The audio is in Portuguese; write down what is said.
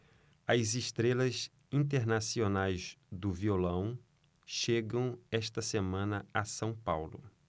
as estrelas internacionais do violão chegam esta semana a são paulo